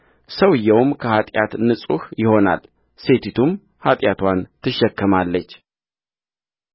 ሰውዮውም ከኃጢአት ንጹሕ ይሆናል ሴቲቱም ኃጢአትዋን ትሸከማለች